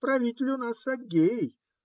Правитель у нас Аггей.